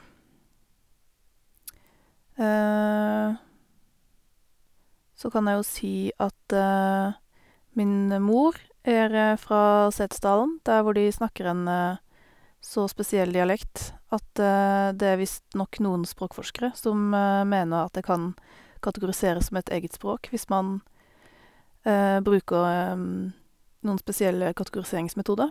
Så kan jeg jo si at min mor er fra Setesdalen, der hvor de snakker en så spesiell dialekt at det er visst nok noen språkforskere som mener at det kan kategoriseres som et eget språk hvis man bruker noen spesielle kategoriseringsmetoder.